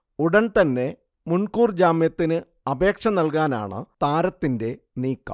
ഉടൻ തന്നെ മുൻകൂർ ജാമ്യത്തിന് അപേക്ഷ നൽകാനാണ് താരത്തിന്റെ നീക്കം